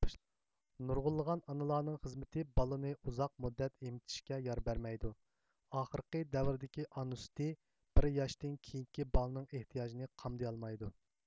نۇرغۇنلىغان ئانىلارنىڭ خىزمىتى بالىنى ئۇزاق مۇددەت ئېمتىشكە يار بەرمەيدۇ ئاخىرقى دەۋردىكى ئانا سۈتى بىر ياشتىن كېيىنكى بالىنىڭ ئېھتىياجىنى قامدىيالمايدۇ